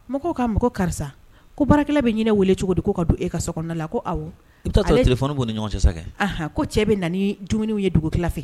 Mɔgɔw ka mago karisa ko baarakɛ bɛ ɲinin wele cogo di ko ka don e ka soda la ko aw tile fana' ni ɲɔgɔn ko cɛ bɛ na dumuni ye dugu tila fɛ